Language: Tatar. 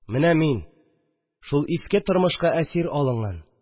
Менә мин – шул иске тормышка әсир алынган